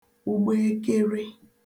ụgbọekere